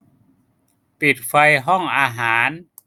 ปิดไฟห้องอาหาร